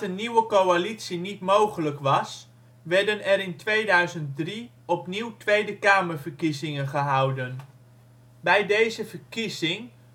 nieuwe coalitie niet mogelijk was, werden er in 2003 opnieuw Tweede Kamer-verkiezingen gehouden. Bij deze verkiezing